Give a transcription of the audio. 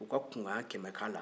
u ka kunkanɲɛ kɛmɛ k'a la